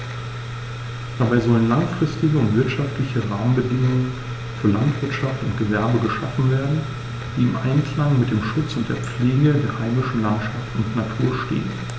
Dabei sollen langfristige und wirtschaftliche Rahmenbedingungen für Landwirtschaft und Gewerbe geschaffen werden, die im Einklang mit dem Schutz und der Pflege der heimischen Landschaft und Natur stehen.